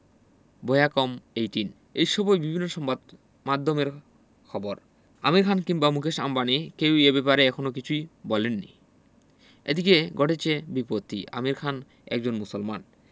Viacom eighteen এই সবই বিভিন্ন সংবাদমাধ্যমের খবর আমির খান কিংবা মুকেশ আম্বানি কেউই এ ব্যাপারে এখনো কিছু বলেননি এদিকে ঘটেছে বিপত্তি আমির খান একজন মুসলমান